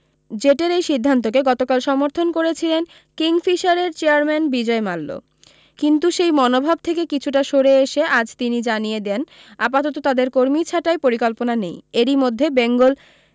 জেটের এই সিদ্ধান্তকে গতকাল সমর্থন করেছিলেন কিং ফিশারের চেয়ারম্যান বিজয় মাল্য কিন্তু সেই মনোভাব থেকে কিছুটা সরে এসে আজ তিনি জানিয়ে দেন আপাতত তাঁদের কর্মী ছাঁটাই পরিকল্পনা নেই এরি মধ্যে বেঙ্গল